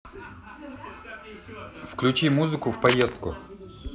включи музыку в поездку